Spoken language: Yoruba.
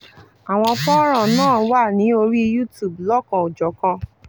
Àwọn fọ́nràn náà wà ní orí YouTube lọ́kan-ò-jọ̀kan.